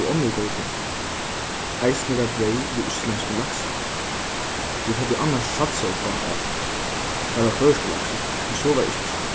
og onnur góð ting eisini var breyð við íslendskum laksi vit høvdu annars satsað upp á at har var føroyskur laksur men so var ikki